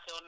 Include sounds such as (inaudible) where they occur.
(hesitation) (hesitation)